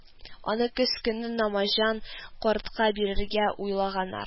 Аны көз көне Намаҗан картка бирергә уйлаганнар